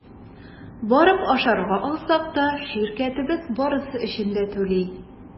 Барып ашарга алсак та – ширкәтебез барысы өчен дә түли.